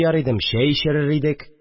Идем, чәй эчерер идек